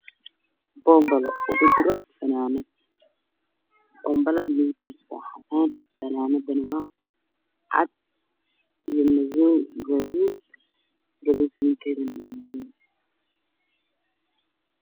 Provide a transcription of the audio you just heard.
Waa boomba midafkiisu caddaan yahay waxaa ku jiro fanaanad midabkeedu yahay caddaan guduud madow